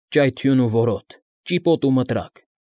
Ճայթյուն ու որոտ։ Ճիպոտ ու մտրակ։